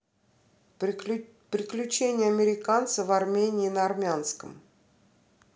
приключения американца в армении на армянском